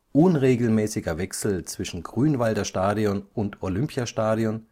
unregelmäßiger Wechsel zwischen Grünwalder Stadion und Olympiastadion